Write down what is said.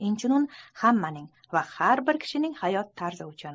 inchunin hammaning va har bir kishining hayot tarzi uchun